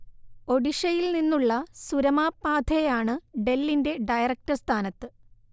ഒഡിഷയിൽനിന്നുള്ള സുരമാ പാധേയാണ് ഡെല്ലിന്റെ ഡയറക്ടർ സ്ഥാനത്ത്